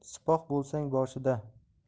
bo'l sipoh bo'lsang boshida